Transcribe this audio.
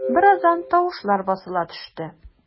Бераздан тавышлар басыла төште.